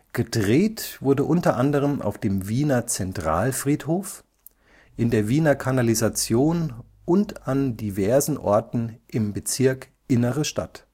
Gedreht wurde unter anderem auf dem Wiener Zentralfriedhof, in der Wiener Kanalisation und an diversen Orten im Bezirk Innere Stadt